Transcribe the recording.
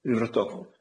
Urfrydol.